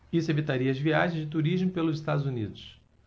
isso evitaria as viagens de turismo pelos estados unidos